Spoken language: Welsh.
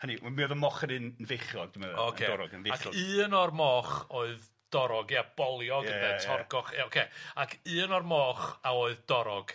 Hynny yw m- mi o'dd y moch yn un feichiog dwi'n meddwl.. O ocê. yn dorog yn feichiog. Ac un o'r moch oedd dorog ia boliog ynde? Ia ia ia. torgoch ia ocê ac un o'r moch a oedd dorog.